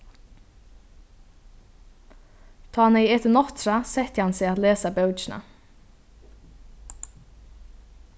tá hann hevði etið nátturða setti hann seg at lesa bókina